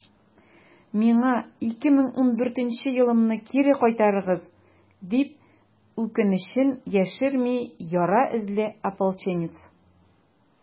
«миңа 2014 елымны кире кайтарыгыз!» - дип, үкенечен яшерми яра эзле ополченец.